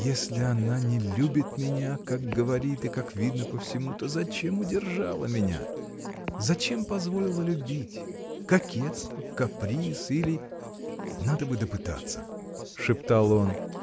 — Если она не любит меня, как говорит и как видно по всему, то зачем удержала меня? зачем позволила любить? Кокетство, каприз или. Надо бы допытаться. — шептал он.